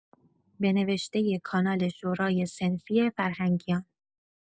به نوشته کانال شورای صنفی فرهنگیان